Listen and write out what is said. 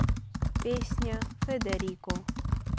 песня федерико